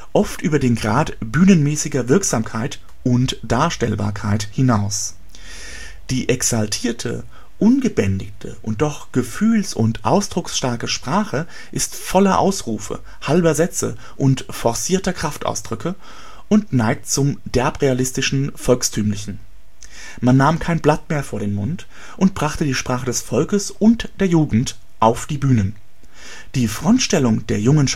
oft über den Grad bühnenmäßiger Wirksamkeit (und Darstellbarkeit) hinaus. Die exaltierte, ungebändigte und doch gefühls - und ausdrucksstarke Sprache ist voller Ausrufe, halber Sätze und forcierter Kraftausdrücke und neigt zum Derbrealistischen-Volkstümlichen. Man nahm kein Blatt mehr vor den Mund und brachte die Sprache des Volkes und der Jugend auf die Bühnen. Die Frontstellung der jungen